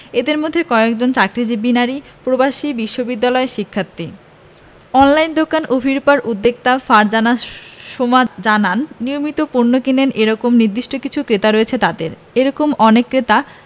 এঁদের মধ্যে রয়েছেন চাকরিজীবী নারী প্রবাসী ও বিশ্ববিদ্যালয় শিক্ষার্থী অনলাইন দোকান অভিরুপার উদ্যোক্তা ফারজানা সোমা জানান নিয়মিত পণ্য কেনেন এ রকম নির্দিষ্ট কিছু ক্রেতা রয়েছে তাঁদের এ রকম অনেক ক্রেতা